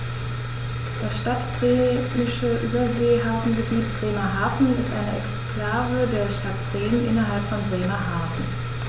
Das Stadtbremische Überseehafengebiet Bremerhaven ist eine Exklave der Stadt Bremen innerhalb von Bremerhaven.